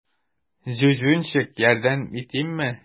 Зюзюнчик, ярдәм итимме?